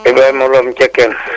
Ibrahima Lom Cekkeen